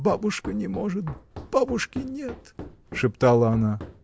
бабушка не может, бабушки нет! — шептала она.